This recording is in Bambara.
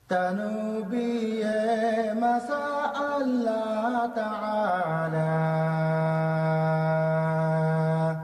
Ta b'i yo ma lei la taara la